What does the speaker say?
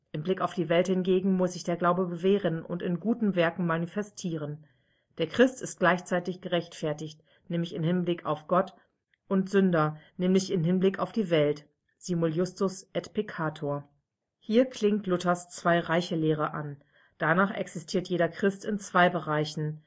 Im Blick auf die Welt hingegen muss sich der Glaube bewähren und in guten Werken manifestieren. Der Christ ist gleichzeitig gerechtfertigt, nämlich im Hinblick auf Gott, und Sünder, nämlich im Hinblick auf die Welt (simul iustus et peccator). Hier klingt Luthers Zwei-Reiche-Lehre an. Danach existiert jeder Christ in zwei Bereichen